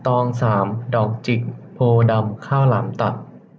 ตองสามดอกจิกโพธิ์ดำข้าวหลามตัด